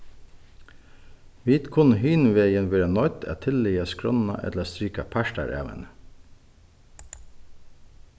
vit kunnu hinvegin verða noydd at tillaga skránna ella strika partar av henni